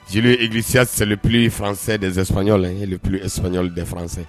Julio Iglesias est. le plus Français des Espagnols et le plus espagnol des Français